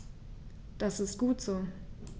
Das ist gut so.